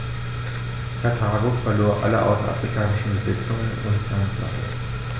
Karthago verlor alle außerafrikanischen Besitzungen und seine Flotte.